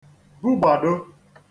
bugbàdo